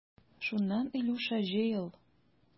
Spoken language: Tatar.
Шуннан, Илюша, җыел.